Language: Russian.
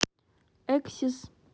axis